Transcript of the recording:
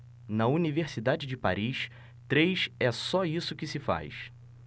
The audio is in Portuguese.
na universidade de paris três é só isso que se faz